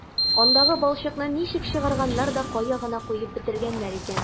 Андагы балчыкны ничек чыгарганнар да кая гына куеп бетергәннәр икән...